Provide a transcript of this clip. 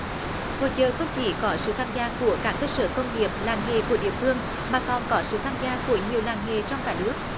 hội chợ không chỉ có sự tham gia của các cơ sở công nghiệp làng nghề của địa phương mà còn có sự tham gia của nhiều làng nghề trong cả nước